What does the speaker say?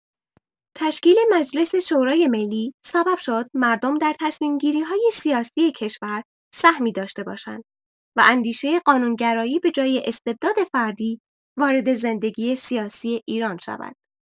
تشکیل مجلس شورای‌ملی سبب شد مردم در تصمیم‌گیری‌های سیاسی کشور سهمی داشته باشند و اندیشه قانون‌گرایی به‌جای استبداد فردی وارد زندگی سیاسی ایران شود.